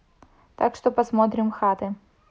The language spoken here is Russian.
так что посмотрим хаты